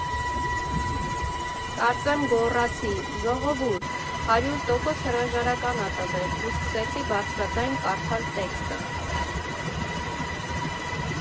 Կարծեմ, գոռացի «ժողովո՜ւրդ, հարյուր տոկոս հրաժարական ա տվել» ու սկսեցի բարձրաձայն կարդալ տեքստը։